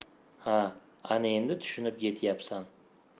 ha ana endi tushunib yetyapsan